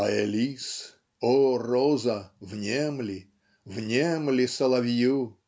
Аэлис, о роза, внемли, Внемли соловью.